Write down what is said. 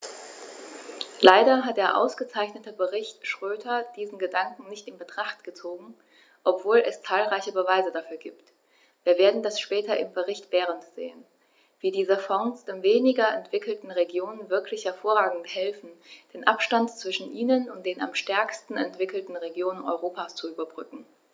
Leider hat der ausgezeichnete Bericht Schroedter diesen Gedanken nicht in Betracht gezogen, obwohl es zahlreiche Beweise dafür gibt - wir werden das später im Bericht Berend sehen -, wie diese Fonds den weniger entwickelten Regionen wirklich hervorragend helfen, den Abstand zwischen ihnen und den am stärksten entwickelten Regionen Europas zu überbrücken.